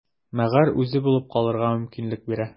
Мәгәр үзе булып калырга мөмкинлек бирә.